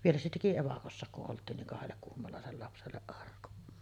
vielä se teki evakossakin kun oltiin niin kahdelle kuhmolaiselle lapselle arkun